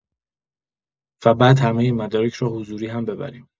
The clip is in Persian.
و بعد همۀ این مدارک رو حضوری هم ببریم